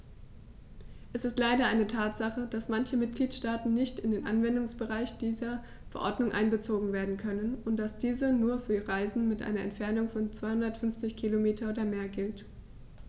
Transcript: Es ist leider eine Tatsache, dass manche Mitgliedstaaten nicht in den Anwendungsbereich dieser Verordnung einbezogen werden können und dass diese nur für Reisen mit einer Entfernung von 250 km oder mehr gilt.